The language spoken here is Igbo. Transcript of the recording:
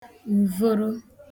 ùvoro